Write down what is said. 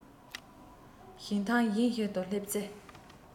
ཞིང ཐང གཞན ཞིག ཏུ སླེབས ཚེ